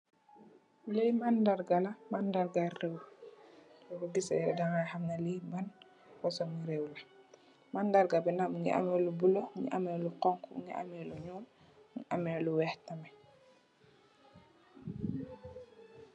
Lii mandarr gah la, mandarr gah reww, sorkor giseh danga ham lii ban fasoni reww la, mandarr gah bii nak mungy ameh lu bleu, mungy ameh lu khonku, mungy ameh lu njull, mungy ameh lu wekh tamit.